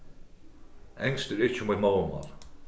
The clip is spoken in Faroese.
enskt er ikki mítt móðurmál